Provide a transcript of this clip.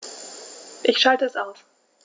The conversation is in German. Ich schalte es aus.